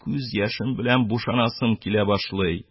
Күз яшем белән бушанасым килә башлый